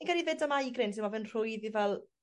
fi'n credu 'fyd 'dy migraines y ma' fe'n rhwydd i fel